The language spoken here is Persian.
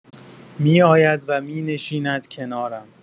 می‌آید و می‌نشیند کنارم.